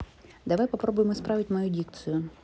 давай попробуем исправить мою дикцию